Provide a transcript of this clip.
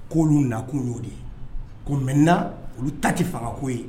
Koolu nakun y'o de ko mɛ na olu ta tɛ fangako ye